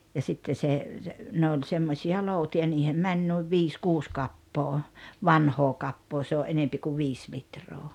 ja sitten se se ne oli semmoisia lootia niihin meni noin viisi kuusi kappaa vanhaa kappaa se oli enemmän kuin viisi litraa